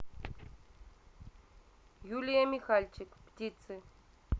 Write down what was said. юлия михальчик птицы